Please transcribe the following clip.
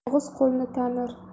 og'iz qo'lni tanir